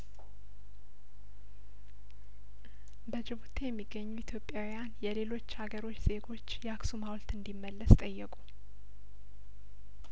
በጅቡቲ የሚገኙ ኢትዮጵያውያን የሌሎች አገሮች ዜጐች የአክሱም ሀውልት እንዲመለስ ጠየቁ